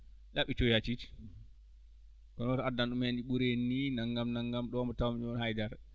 ɗaɓitoyaa tigi woto addan ɗum heen ɓurii nii naggam naggam ɗo mo tawmi ɗo haydara